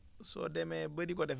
soo demee ba di ko def rek